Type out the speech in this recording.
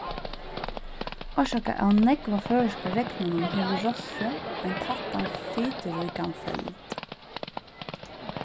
orsakað av nógva føroyska regninum hevur rossið ein tættan fitiríkan feld